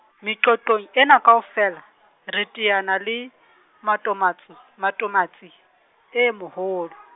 meqoqong ena kaofela, re teana le matomatsi, matomatsi e moholo.